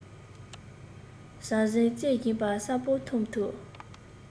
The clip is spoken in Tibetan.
ཟང ཟིང རྩེན བཞིན པ གསལ པོ མཐོང ཐུབ